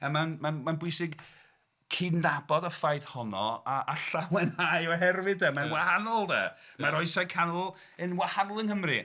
A mae'n mae'n mae'n bwysig cydnabod y ffaith honno, a a llawenhau oherwydd de, mae'n wahanol de, mae'r oesau canol yn wahanol yng Nghymru.